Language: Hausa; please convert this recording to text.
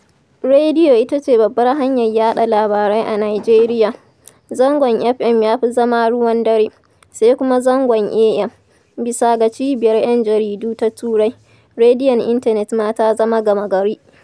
Rediyo ita ce babbar hanyar yaɗa labarai a Nijeriya. Zangon FM ya fi zama ruwan dare, sai kuma zangon AM. Bisa ga Cibiyar 'Yan Jaridu Ta Turai, rediyon intanet ma ta zama gama-gari.